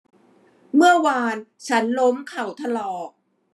เมื่อวานฉันล้มเข่าถลอก